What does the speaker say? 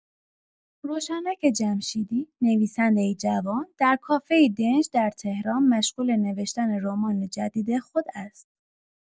روشنک جمشیدی، نویسنده جوان، در کافه‌ای دنج در تهران مشغول نوشتن رمان جدید خود است.